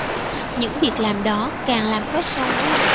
những việc làm đó càng làm khoét sâu mối